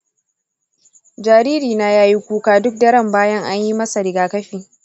jaririna ya yi kuka duk daren bayan an yi masa rigakafi.